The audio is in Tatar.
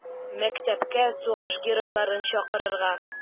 Мәктәпкә сугыш геройларын чакырырга.